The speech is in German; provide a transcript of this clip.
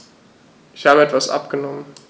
Ich habe etwas abgenommen.